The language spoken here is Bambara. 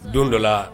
Don dɔ la